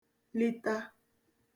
lita